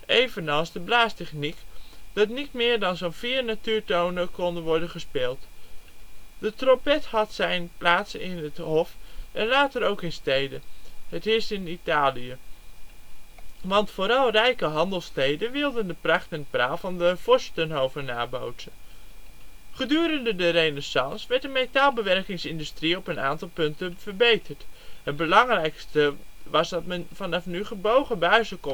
evenals de blaastechniek) dat niet meer dan zo 'n vier natuurtonen konden worden gespeeld. De trompet had zijn plaats in het hof en later ook in steden (het eerst in Italië), want vooral rijke handelssteden wilden de pracht en praal van de vorstenhoven nabootsen. Gedurende de Renaissance werd de metaalbewerkingsindustrie op een aantal punten verbeterd. Het belangrijkste was men vanaf nu gebogen buizen